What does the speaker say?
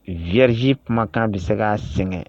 Viti kumakan bɛ se k ka sɛgɛn